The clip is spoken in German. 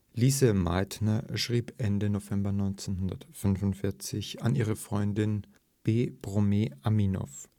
Lise Meitner schrieb Ende November 1945 an ihre Freundin B. Broomé Aminoff